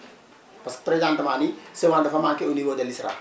parce que présentement nii semence dafa manqué au niveau de l' ISRA